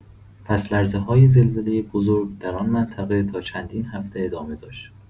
پس‌لرزه‌های زلزله بزرگ در آن منطقه تا چندین هفته ادامه داشت.